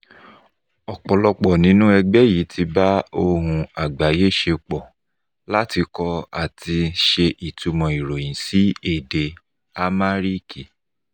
Ọ̀pọ̀lọpọ̀ nínú ẹgbẹ́ yìí ti bá Ohùn Àgbáyé ṣe pọ̀ láti kọ àti ṣe ìtúmọ̀ ìròyìn sí èdè Amharic.